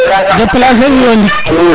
deplacer wi o ndik